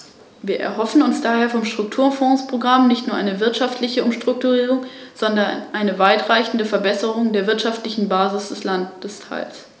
Einige Kollegen haben bereits über die Arbeitslosigkeit und den Bevölkerungsrückgang gesprochen.